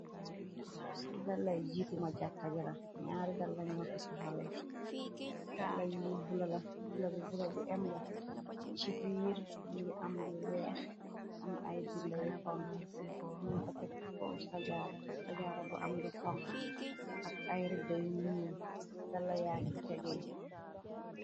Li dalay jiituma jàkkadara ñaari dala ño fi taxawe jalaybulabi bula bu em la ci biir ngi am lu weex am ay binda yu konxa nuñ ko tegci ko stajaara bu am lu konka ak ayrëbbe yu muul dala yaa gi tegee.